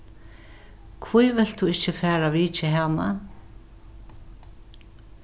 hví vilt tú ikki fara at vitja hana